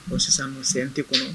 Bon sisan u sen tɛ kɔnɔ